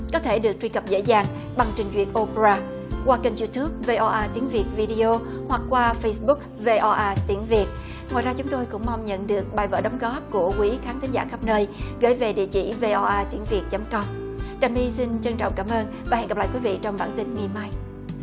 có thể được truy cập dễ dàng bằng trình duyệt ô pe ra qua kênh diu túp vê ô a tiếng việt vi đi ô hoặc qua phây búc vê ô a tiếng việt ngoài ra chúng tôi cũng mong nhận được bài vở đóng góp của quý khán thính giả khắp nơi gửi về địa chỉ vê ô a tiếng việt chấm com trà my xin trân trọng cảm ơn và hẹn gặp lại quý vị trong bản tin ngày mai